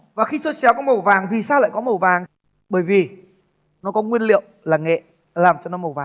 và khi xôi xéo có màu vàng vì sao lại có màu vàng bởi vì nó có nguyên liệu là nghệ làm cho nó màu vàng